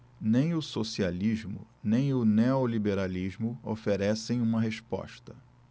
nem o socialismo nem o neoliberalismo oferecem uma resposta